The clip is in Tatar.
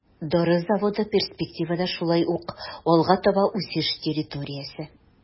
Дары заводы перспективада шулай ук алга таба үсеш территориясе.